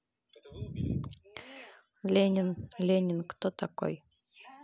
ленин ленин кто такой